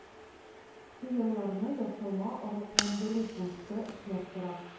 Сыерларны ясалма орлыкландыру пункты эшләп тора.